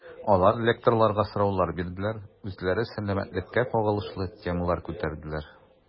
Алар лекторларга сораулар бирделәр, үзләре сәламәтлеккә кагылышлы темалар күтәрделәр.